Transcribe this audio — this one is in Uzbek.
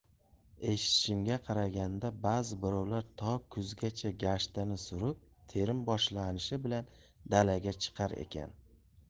eshitishimga qaraganda bazi birovlar to kuzgacha gashtini surib terim boshlanishi bilan dalaga chiqar ekan